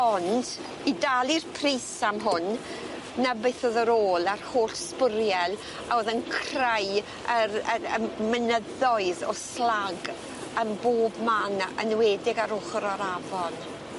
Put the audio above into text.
Ond i dalu'r pris am hwn 'na beth o'dd ar ôl a'r holl sbwriel a o'dd yn creu yr yr yym mynyddoedd o slag yn bob man a- ynwedig ar ochor yr afon.